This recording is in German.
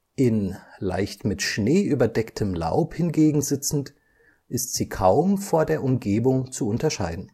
In leicht mit Schnee überdecktem Laub hingegen sitzend, ist sie kaum vor der Umgebung zu unterscheiden